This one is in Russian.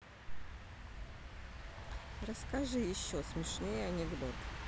расскажи еще смешнее анекдот